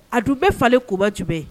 Adu bɛɛ falen koba tunbi